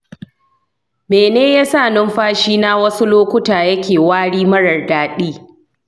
mene yasa numfashi na wasu lokuta yake wari marar daɗi?